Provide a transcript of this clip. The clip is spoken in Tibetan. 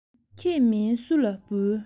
ཁྱེད མིན སུ ལ འབུལ